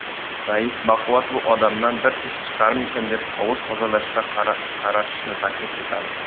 rais baquvvat bu odamdan bir ish chiqarmikin deb hovuz tozalashda qarashishni taklif etadi